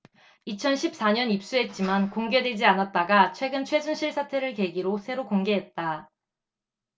이천 십 사 년 입수했지만 공개되지 않았다가 최근 최순실 사태를 계기로 새로 공개했다